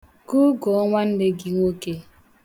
Gụgụọ nwanne gị nwoke.